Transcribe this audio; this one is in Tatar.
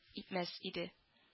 Итмәс иде